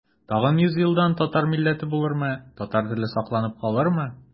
Тагын йөз елдан татар милләте булырмы, татар теле сакланып калырмы?